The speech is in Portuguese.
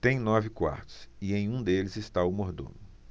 tem nove quartos e em um deles está o mordomo